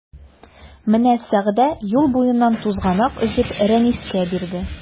Менә Сәгъдә юл буеннан тузганак өзеп Рәнискә бирде.